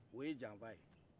o ye janfa ye